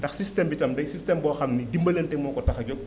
ndax système bi itam day système boo xam ni dimbalante moo ko tax a jóg